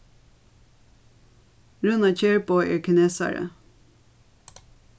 rúna kjærbo er kinesari